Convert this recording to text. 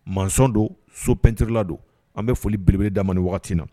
Masɔn don so peinture la don. An bi foli bele da ma nin wagati in na.